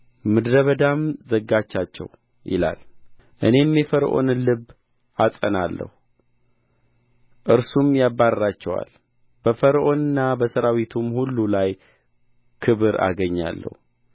ምድረ በዳም ዘጋቻቸው ይላል እኔም የፈርዖንን ልብ አጸናለሁ እርሱም ያባርራቸዋል በፈርዖንና በሠራዊቱም ሁሉ ላይ ክብር አገኛለሁ